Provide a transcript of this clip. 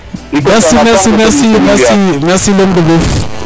Merci merci l' homme de ɓoof